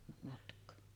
matkaa